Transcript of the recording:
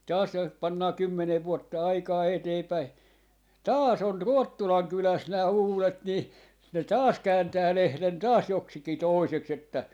taas jos pannaan kymmenen vuotta aikaa eteenpäin taas on Ruottulan kylässä nämä uudet niin ne taas kääntää lehden taas joksikin toiseksi että